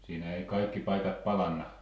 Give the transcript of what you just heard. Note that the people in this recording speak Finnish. siinä ei kaikki paikat palanut